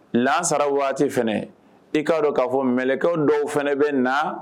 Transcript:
Lasara waati fɛ i k'a don k'a fɔ mlɛkaw dɔw fana bɛ na